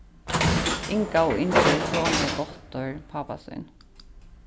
inga og ingi eru sonur og dóttir pápa sín